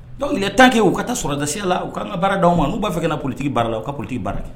Dɔnku tan kɛ u ka taa sɔrɔda la u kaan ka baara' ma u b'a fɛ ka ptigi baara la u ka politigi baara kɛ